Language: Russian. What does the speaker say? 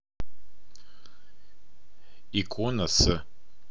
икона с